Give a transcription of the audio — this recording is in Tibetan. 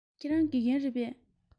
ཁྱེད རང དགེ རྒན རེད པས